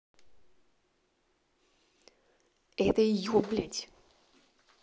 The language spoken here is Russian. это ее блядь